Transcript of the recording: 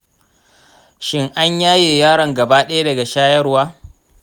shin an yaye yaron gaba ɗaya daga shayarwa?